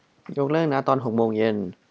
ยกเลิกนัดตอนหกโมงเย็น